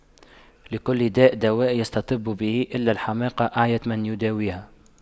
لكل داء دواء يستطب به إلا الحماقة أعيت من يداويها